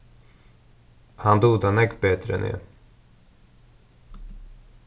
hann dugir tað nógv betur enn eg